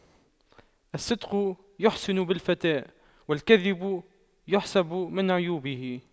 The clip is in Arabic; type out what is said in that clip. الصدق يحسن بالفتى والكذب يحسب من عيوبه